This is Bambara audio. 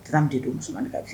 bɛ don musomannin kan bi